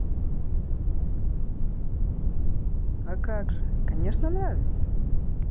а как же конечно нравится